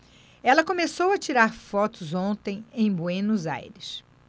ela começou a tirar fotos ontem em buenos aires